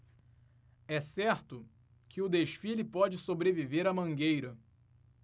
é certo que o desfile pode sobreviver à mangueira